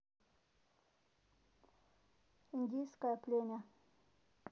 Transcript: индийское племя